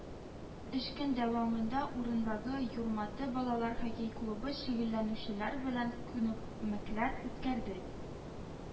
Өч көн дәвамында урындагы “юрматы” балалар хоккей клубы шөгыльләнүчеләре белән күнекмәләр үткәрде